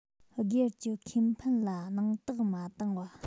སྒེར གྱི ཁེ ཕན ལ སྣང དག མ བཏང བ